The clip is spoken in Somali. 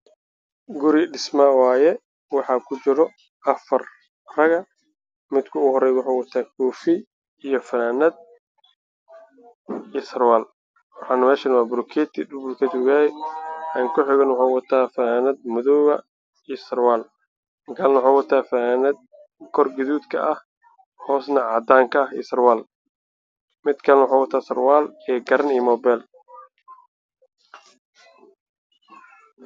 Guri dhismo ah waye waxa ku jira afar rag midka ugu horeya waxuu wata koofi iyo funanad iyo surwaal meshana wa bulkeeti dhulku yal kan ku xigana Waxuu wata funanad madow ah iyo surwaal kan kalana waxuu wata fananad kor gaduud ka ah hoosna Cadaan ka ah iyo surwaal mid kalana waxuu wata surwaal garan iyo moobeyl